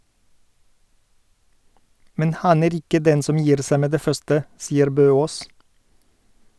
Men han er ikke den som gir seg med det første, sier Bøås.